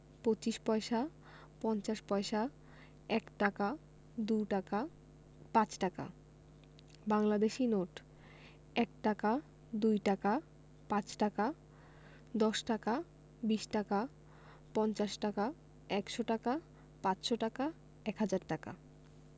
২৫ paisa ৫০ paisa ১ taka ২ taka ৫ taka Bangladeshi note ১ taka ২ taka ৫ taka ১০ taka ২০ taka ৫০ taka ১০০ taka ৫০০ taka ১০০০ টাকা